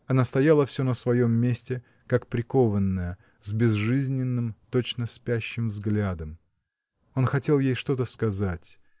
Она стояла всё на своем месте как прикованная, с безжизненным, точно спящим, взглядом. Он хотел ей что-то сказать.